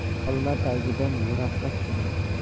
olma tagidan yiroqqa tushmas